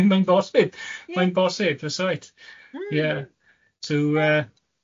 Mae'n bosib mae'n bosib, that's right, ie. So yy